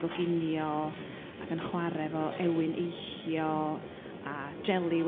goginio ac yn chwar'e 'fo ewin eillio a jeli